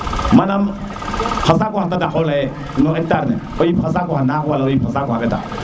manaam xa saaku xa tadaqo leyeno hectar ne o yip xa saaku xa naxaq wala wal o yip xa saaku ɓetaq